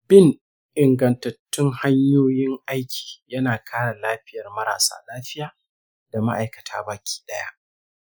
bin ingantattun hanyoyin aiki yana kare lafiyar marasa lafiya da ma’aikata baki ɗaya.